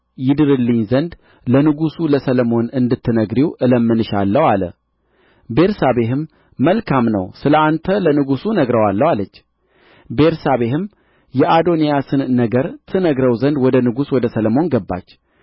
ይድርልኝ ዘንድ ለንጉሡ ለሰሎሞን እንድትነግሪው እለምንሻለሁ አለ ቤርሳቤህም መልካም ነው ስለ አንተ ለንጉሡ እነግረዋለሁ አለች ቤርሳቤህም የአዶንያስን ነገር ትነግረው ዘንድ ወደ ንጉሡ ወደ ሰሎሞን ገባች